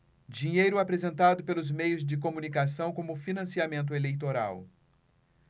dinheiro apresentado pelos meios de comunicação como financiamento eleitoral